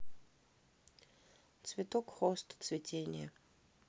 цветок хоста цветение